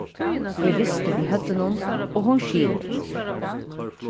eg risti við høvdinum og hon skilir